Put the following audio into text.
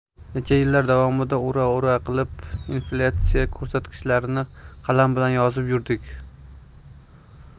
necha yillar davomida ura ura qilib inflyatsiya ko'rsatkichlarini qalam bilan yozib yurdik